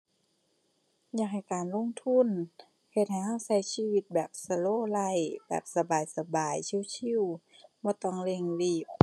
อยากให้การลงทุนเฮ็ดให้เราเราชีวิตแบบ slow life แบบสบายสบาย ชิลชิล บ่ต้องเร่งรีบ